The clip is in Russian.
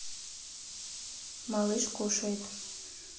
малыш кушает